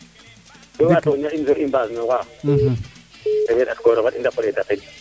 gara nga toñaxin waas noxa refe ndat koroxe fat i ndako ndetaxinel